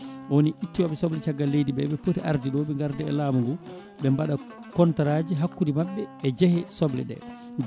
woni ittoɓe soble caggal leydi ɓe ɓe pooti arde ɗo ɓe garda e laamu ngu ɓe mbaɗa contrat ji hakkude mabɓe e jeehe sobleɗe